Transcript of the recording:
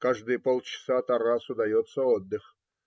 Каждые полчаса Тарасу дается отдых